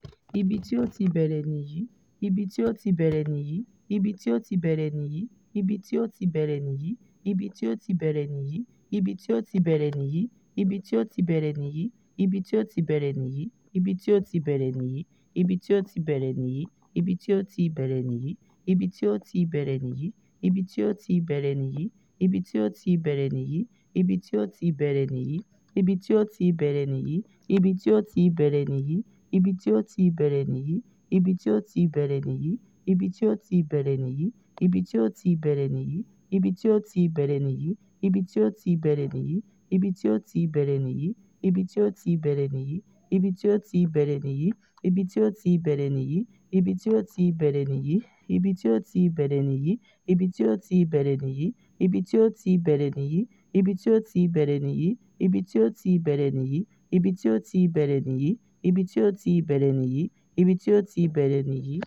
Ibi ti o ti bẹrẹ niyi.